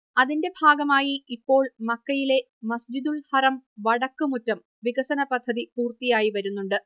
അതിന്റെ ഭാഗമായി ഇപ്പോൾ മക്കയിലെ മസ്ജിദുൽ ഹറം വടക്ക് മുറ്റം വികസനപദ്ധതി പൂർത്തിയായി വരുന്നുണ്ട്